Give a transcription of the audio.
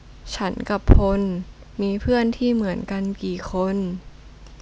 ฉันกับพลมีเพื่อนที่เหมือนกันกี่คน